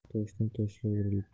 toshdan toshga urilibdi